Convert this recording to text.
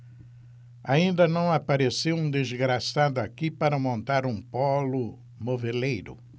ainda não apareceu um desgraçado aqui para montar um pólo moveleiro